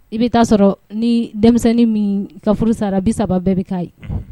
I bɛ taa sɔrɔ ni denmisɛnnin ka furu sara bi saba bɛɛ bɛ ka ye